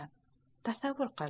tasavvur qil